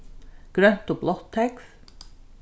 grønt og blátt tógv